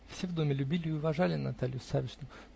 Все в доме любили и уважали Наталью Савишну